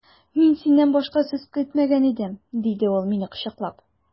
Мин синнән башка сүз көтмәгән идем, диде ул мине кочаклап.